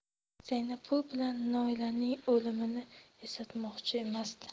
zaynab bu bilan noilaning o'limini eslatmoqchi emasdi